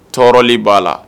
Tɔɔrɔli b'a la